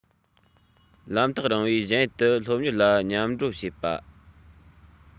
ལམ ཐག རིང བའི གཞན ཡུལ དུ སློབ གཉེར ལ མཉམ འགྲོ བྱེད པ